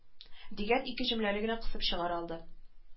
Дигән ике җөмләне генә кысып чыгара алды